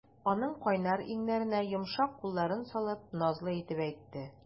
Аның кайнар иңнәренә йомшак кулларын салып, назлы итеп әйтте.